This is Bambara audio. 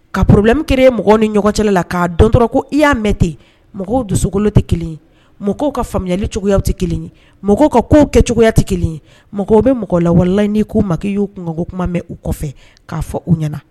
Ka porobilɛmekɛ ye mɔgɔ ni ɲɔgɔncɛ la k'a dɔn dɔrɔn ko i y'a mɛn ten mɔgɔ dusukolo tɛ kelen mɔgɔ ka faamuyali cogoya tɛ kelen mɔgɔ ka ko kɛ cogoya tɛ kelen ye mɔgɔ bɛ mɔgɔ lawalela n'i ko makoki y'u kungogoko kuma mɛn u kɔfɛ k'a fɔ u ɲɛna